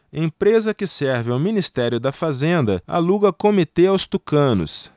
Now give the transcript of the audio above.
empresa que serve ao ministério da fazenda aluga comitê aos tucanos